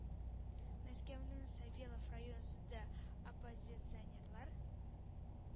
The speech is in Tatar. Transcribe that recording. Мәскәүнең Савелов район суды оппозиционерлар